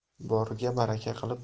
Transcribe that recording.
boriga baraka qilib